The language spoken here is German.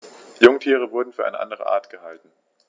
Jungtiere wurden für eine andere Art gehalten.